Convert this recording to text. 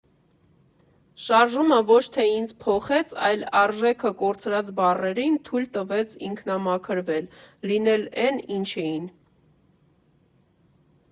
Շարժումը ոչ թե ինձ փոխեց, այլ արժեքը կորցրած բառերին թույլ տվեց ինքնամաքրվել, լինել էն, ինչ էին։